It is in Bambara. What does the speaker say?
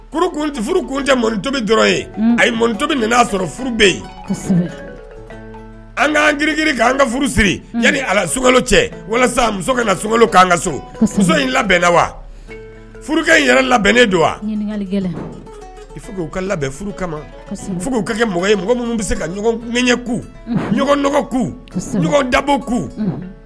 Ɔnito a ye mɔnito sɔrɔ furu bɛ yen an ka'an ki kan ka sokalo cɛ walasa muso kana sokalo k'an ka so muso in labɛn la wa furukɛ in yɛrɛ labɛnnen don wau ka labɛn kama fo kɛ mɔgɔ ye mɔgɔ minnu bɛ se ka ku dabo ku